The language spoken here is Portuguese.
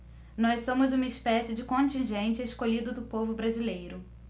nós somos uma espécie de contingente escolhido do povo brasileiro